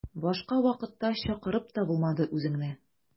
Башка вакытта чакырып та булмады үзеңне.